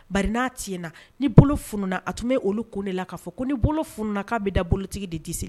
Bari n'a tiɲɛna ni bolo fununa a tun be olu kun de la k'a fɔ ko ni bolo funna k'a be da bolotigi de disi